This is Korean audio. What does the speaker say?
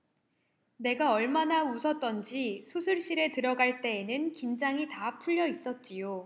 내가 얼마나 웃었던지 수술실에 들어갈 때에는 긴장이 다 풀려 있었지요